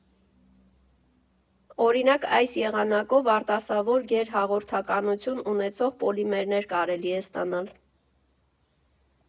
Օրինակ, այս եղանակով արտասովոր գերհաղորդականություն ունեցող պոլիմերներ կարելի է ստանալ։